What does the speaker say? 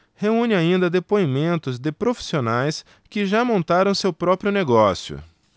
reúne ainda depoimentos de profissionais que já montaram seu próprio negócio